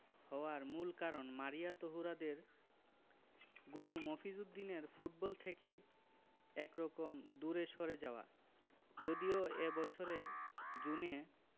হওয়ার মূল কারণ মারিয়া তহুরাদের গুরু মফিজ উদ্দিনের ফুটবল থেকে একরকম দূরে সরে যাওয়া যদিও এ বছরের জুনে